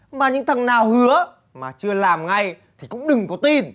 mà những thằng nào hứa mà chưa làm ngày thì cũng đừng có tin